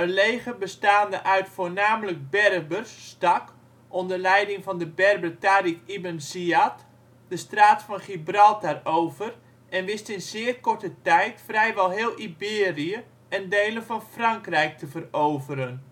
leger bestaande uit voornamelijk Berbers stak, onder leiding van de Berber Tariq Ibn Zyad, de Straat van Gibraltar over en wist in zeer korte tijd vrijwel heel Iberië en delen van Frankrijk te veroveren